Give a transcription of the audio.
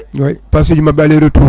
ouais passe uji mabɓe aller et retour